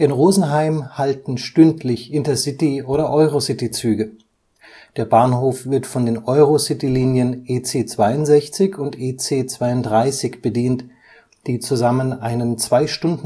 Rosenheim halten stündlich Intercity - oder Eurocity-Züge. Der Bahnhof wird von den Eurocitylinien EC 62 und EC 32 bedient, die zusammen einen Zweistundentakt herstellen